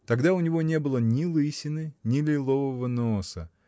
Тогда у него не было ни лысины, ни лилового носа.